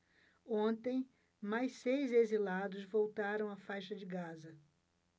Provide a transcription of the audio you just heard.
ontem mais seis exilados voltaram à faixa de gaza